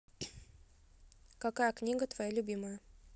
какая книга твоя любимая